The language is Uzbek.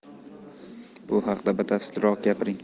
bu haqda batafsilroq gapiring